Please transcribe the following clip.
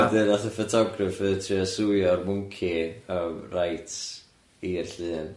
A wedyn nath y photographer trio swio'r mwnci yy rights i'r llun.